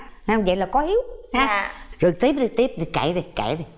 thấy không vậy là có hiếu ha rồi tiếp đi tiếp đi kể đi kể đi